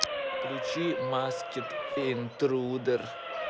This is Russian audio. включи маскед интрудер